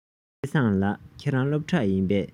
སྐལ བཟང ལགས ཁྱེད རང སློབ ཕྲུག ཡིན པས